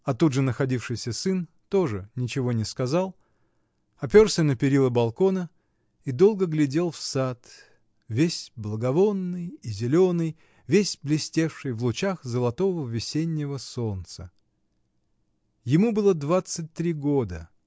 а тут же находившийся сын тоже ничего не сказал, оперся на перила балкона и долго глядел в сад, весь благовонный и зеленый, весь блестевший в лучах золотого весеннего солнца. Ему было двадцать три года